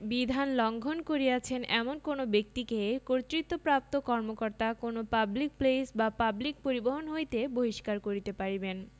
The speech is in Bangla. বিধান লংঘন করিয়অছেন এমন কোন ব্যক্তিকে কর্তৃত্বপ্রাপ্ত কর্মকর্তা কোন পাবলিক প্লেস বা পাবলিক পরিবহণ হইতে বহিষ্কার করিতে পারিবেন